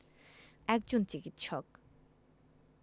একজন চিকিৎসক